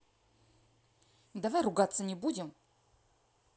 давай ругаться не будем